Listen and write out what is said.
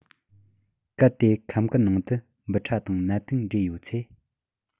གལ ཏེ ཁམས དཀར ནང དུ འབུ ཕྲ དང ནད དུག འདྲེས ཡོད ཚེ